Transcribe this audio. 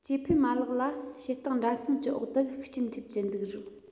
སྐྱེ འཕེལ མ ལག ལ བྱེད སྟངས འདྲ མཚུངས ཀྱི འོག ཏུ ཤུགས རྐྱེན ཐེབས ཀྱི འདུག རུང